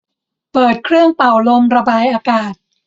เปิดเครื่องเป่าลมระบายอากาศ